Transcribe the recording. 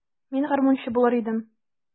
Мин гармунчы булыр идем.